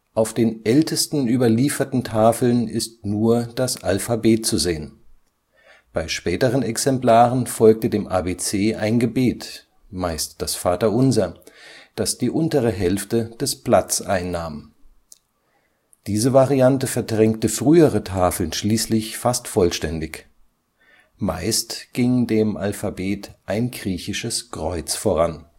Auf den ältesten überlieferten Tafeln ist nur das Alphabet zu sehen. Bei späteren Exemplaren folgte dem ABC ein Gebet (meist das Vaterunser), das die untere Hälfte des Blatts einnahm. Diese Variante verdrängte frühere Tafeln schließlich fast vollständig. Meist ging dem Alphabet ein griechisches Kreuz voran